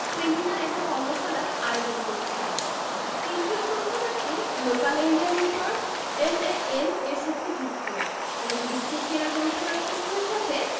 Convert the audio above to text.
seminar এবং কর্মশালার আয়োজন করছে কেন্দ্রীয় গ্রন্থাগারটি লোকাল এরিয়া নেটওয়ার্ক এলএএন এর সাথে যুক্ত এবং বিশ্বের সেরা গ্রন্থাগারসমূহের সাথে